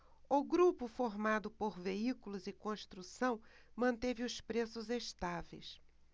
o grupo formado por veículos e construção manteve os preços estáveis